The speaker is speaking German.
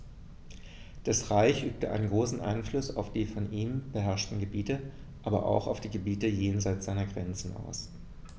Das Reich übte einen großen Einfluss auf die von ihm beherrschten Gebiete, aber auch auf die Gebiete jenseits seiner Grenzen aus.